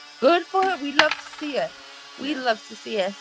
Good for her. We love to see it. We love to see it.